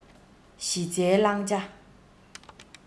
གཞི རྩའི བླང བྱ